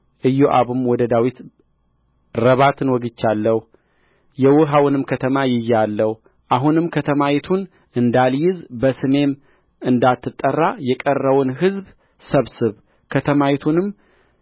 ኢዮአብም ወደ ዳዊት ረባትን ወግቻለሁ የውኃውንም ከተማ ይዤአለሁ አሁንም ከተማይቱን እንዳልይዝ በስሜም እንዳትጠራ የቀረውን ሕዝብ ሰብስብ ከተማይቱንም